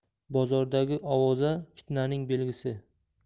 bozordagi ovoza fitnaning belgisi